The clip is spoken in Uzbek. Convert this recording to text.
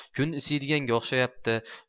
kun isiydiganga o'xshaydi